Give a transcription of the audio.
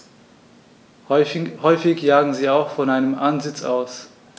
Häufig jagen sie auch von einem Ansitz aus.